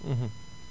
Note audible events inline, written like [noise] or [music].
[hesitation] [hesitation]